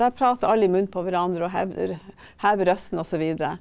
der prater alle i munnen på hverandre og hever hever røsten og så videre.